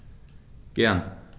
Gern.